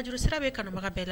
A juru sira bɛmabaga la